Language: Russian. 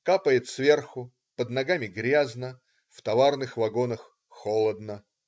Капает сверху, под ногами грязно. В товарных вагонах - холодно.